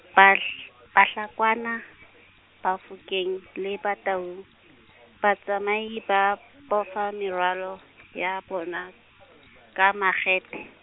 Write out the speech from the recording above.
Bahl-, Bahlakwana, Bafokeng le Bataung, Batsamai ba, bofa merwalo ya bona, ka makgethe.